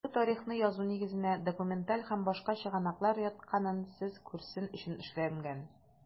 Бу тарихны язу нигезенә документаль һәм башка чыгынаклыр ятканын сез күрсен өчен эшләнгән.